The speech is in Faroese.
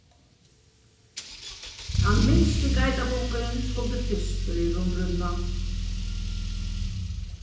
tann minsti geitarbukkurin skuldi fyrstur yvir um brúnna